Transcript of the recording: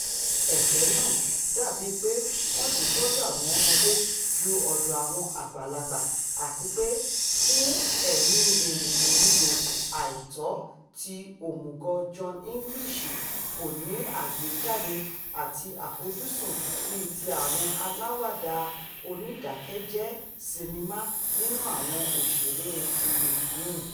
Ẹ̀fẹ náà dàbí pé wọ́n jú u sọ́dọ̀ àwọn ọmọdé jú ọ̀dọ̀ àwọn àgbàlagbà, àtipé fún èmi ìrìnkerindò àìtọ́ tí òmùgọ̀ Johnny English kòní àgbéjáde àti àfojúsùn bíi tí àwọn aláwàdà oníìdákẹ́jẹ́ sinnimá nínú àwọ̀n òṣère ti Bean.